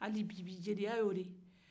bibi na